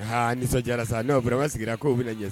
H nisɔn sa neo bɔra sigira k'o bɛ lajɛ